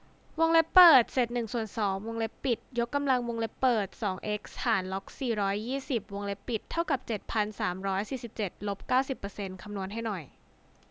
วงเล็บเปิดเศษหนึ่งส่วนสองวงเล็บปิดยกกำลังวงเล็บเปิดสองเอ็กซ์หารล็อกสี่ร้อยยี่สิบวงเล็บปิดเท่ากับเจ็ดพันสามร้อยสี่สิบเจ็ดลบเก้าสิบเปอร์เซ็นต์คำนวณให้หน่อย